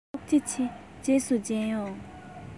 ཐུགས རྗེ ཆེ རྗེས སུ མཇལ ཡོང